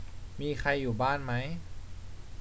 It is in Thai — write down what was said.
มีใครอยู่บ้านไหม